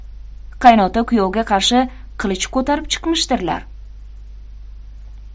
qaynota kuyovga qarshi qilich ko'tarib chiqmishdirlar